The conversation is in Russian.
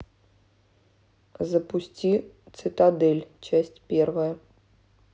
запусти цитадель часть первая